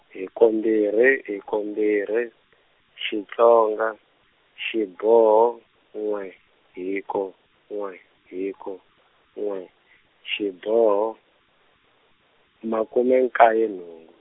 hiko mbirhi, hiko mbirhi, Xitsonga, xiboho, n'we hiko, n'we hiko n'we, xiboho, makume nkaye nhungu.